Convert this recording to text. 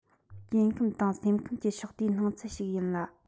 སྐྱེ ཁམས དང སེམས ཁམས ཀྱི ཕྱོགས བསྡུས སྣང ཚུལ ཞིག ཡིན ལ